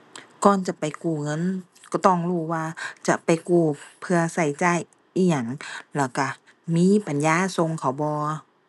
ก่อนจะไปกู้เงิน ก็ต้องรู้ว่าจะไปกู้เพื่อก็จ่ายอิหยัง แล้วก็มีปัญญาส่งเขาบ่